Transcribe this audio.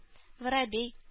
Воробей